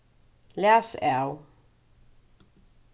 læs av